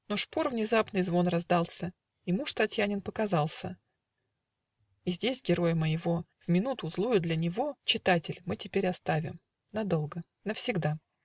Но шпор незапный звон раздался, И муж Татьянин показался, И здесь героя моего, В минуту, злую для него, Читатель, мы теперь оставим, Надолго. навсегда.